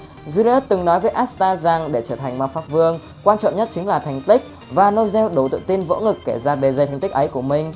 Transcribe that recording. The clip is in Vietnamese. julius từng nói với asta rằng để trở thành mpv quan trọng nhất chính là thành tích và nozel đủ tự tin vỗ ngực kể ra bề dày thành tích ấy của mình